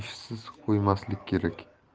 ishsiz qo'ymaslik kerak